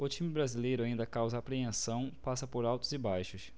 o time brasileiro ainda causa apreensão passa por altos e baixos